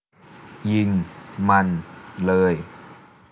ยิงมันเลย